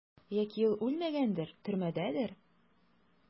Яки ул үлмәгәндер, төрмәдәдер?